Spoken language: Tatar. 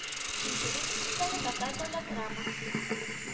Тинчурин исемендәге татар дәүләт драма